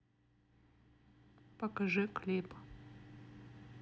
покажи клип